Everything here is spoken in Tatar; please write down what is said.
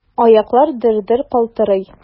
Аяклар дер-дер калтырый.